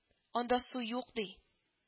Анда су юк, ди